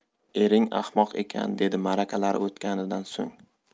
ering ahmoq ekan dedi ma'rakalari o'tganidan so'ng